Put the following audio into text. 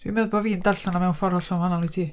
Dwi'n meddwl bo' fi'n darllen o mewn ffor' hollol wahanol i ti.